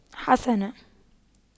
حسنا